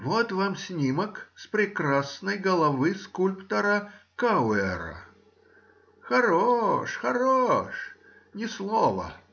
Вот вам снимок с прекрасной головы скульптора Кауера: хорош, хорош! — ни слова